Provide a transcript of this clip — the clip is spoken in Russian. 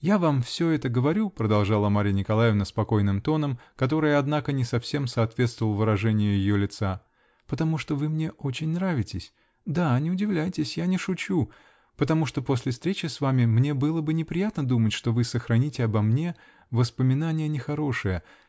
-- Я вам все это говорю, -- продолжала Марья Николаевна спокойным тоном, который, однако, не совсем соответствовал выражению ее лица, -- потому что вы мне очень нравитесь: да, не удивляйтесь, я не шучу: потому, что после встречи с вами мне было бы неприятно думать, что вы сохраните обо мне воспоминание нехорошее.